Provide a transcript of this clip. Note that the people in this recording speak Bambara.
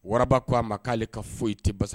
Waraba ko a ma k'ale ka foyi tɛ basa